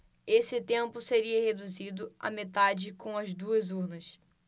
esse tempo seria reduzido à metade com as duas urnas